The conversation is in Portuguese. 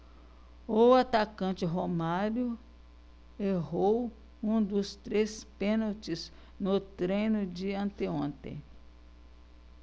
o atacante romário errou um dos três pênaltis no treino de anteontem